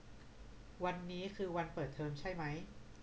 วันนี้คือวันเปิดเทอมใช่ไหม